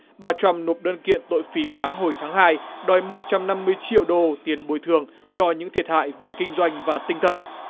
bà trăm nộp đơn kiện tội phỉ báng hồi tháng hai đòi một trăm năm mươi triệu đô tiền bồi thường cho những thiệt hại về kinh doanh và tinh thần